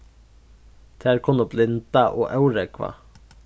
tær kunnu blinda og órógva